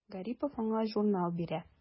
Гарипов аңа журнал бирә.